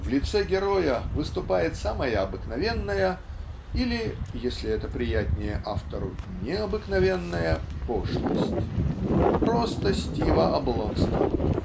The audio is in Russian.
в лице героя выступает самая обыкновенная или если это приятнее автору необыкновенная пошлость просто Стива Облонский